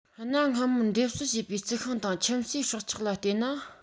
གནའ སྔ མོར འདེབས གསོ བྱས པའི རྩི ཤིང དང ཁྱིམ གསོས སྲོག ཆགས ལ བལྟས ན